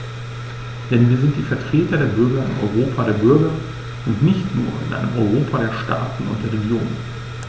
Denn wir sind die Vertreter der Bürger im Europa der Bürger und nicht nur in einem Europa der Staaten und der Regionen.